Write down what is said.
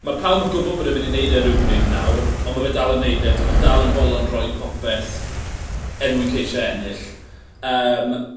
ma' pawb yn gwbo bod e myn' i neud e ryw bryd nawr on' ma' fe dal yn neud e t' ma' dal yn bolon roi popeth er mwyn ceisio ennill. Yym.